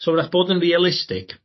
So 'w'rach bod yn realistig